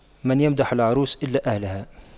من يمدح العروس إلا أهلها